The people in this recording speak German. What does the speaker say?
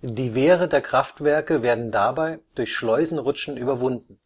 Die Wehre der Kraftwerke werden dabei durch Schleusenrutschen überwunden.